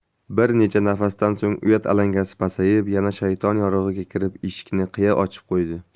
bir necha nafasdan so'ng uyat alangasi pasayib yana shayton yo'rig'iga kirib eshikni qiya ochib qo'ydi